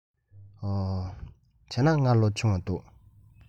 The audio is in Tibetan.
འོ བྱས ན ང ལོ ཆུང བ འདུག